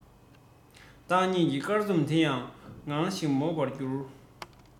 བདག ཡིད ཀྱི སྐར ཚོམ དེ ཡང ངང གིས མོག པོར གྱུར